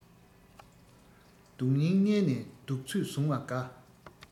སྡུག སྙིང མནན ནས སྡུག ཚོད བཟུང བ དགའ